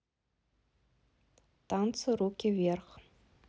танцы руки вверх